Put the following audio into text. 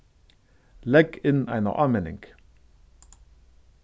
legg inn eina áminning